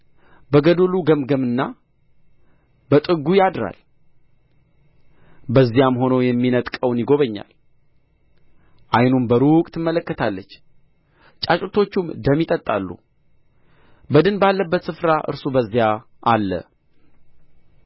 በገደሉ ገመገምና በጥጉ ያድራል በዚያም ሆኖ የሚነጥቀውን ይጐበኛል ዓይኑም በሩቅ ትመለከታለች ጫጩቶቹም ደም ይጠጣሉ በድን ባለባትም ስፍራ እርሱ በዚያ አለ